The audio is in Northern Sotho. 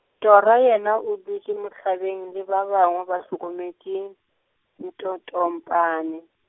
Tora yena o dutše mohlabeng le ba bangwe ba hlokometše, ntotompane.